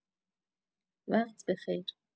وقت بخیر.